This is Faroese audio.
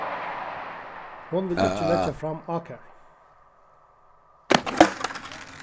hon vil ikki leggja fram ákæru